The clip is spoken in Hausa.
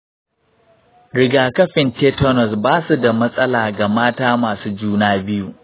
rigakafin tetanus ba su da matsala ga mata masu juna biyu.